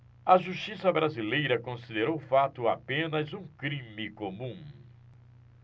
a justiça brasileira considerou o fato apenas um crime comum